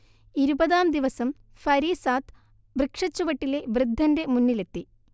ഇരുപതാം ദിവസം ഫരീസാദ്, വൃക്ഷച്ചുവട്ടിലെ വൃദ്ധന്റെ മുന്നിലെത്തി